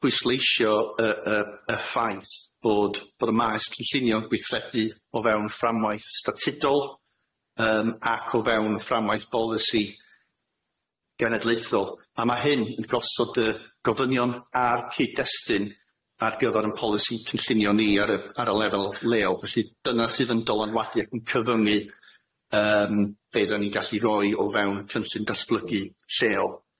pwysleisio y y y ffaith bod bod y maes cynllunio'n gweithredu o fewn fframwaith statudol yym ac o fewn fframwaith bolisi genedlaethol a ma' hyn yn gosod y gofynion a'r cyd-destun ar gyfar y polisi cynllunio ni ar y ar y lefel leol felly dyna sydd yn dylanwadu ac yn cyfyngu yym be' dden ni'n gallu roi o fewn cynllun datblygu lleol.